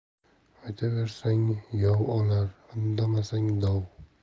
yotaversang yov olar indamasang dov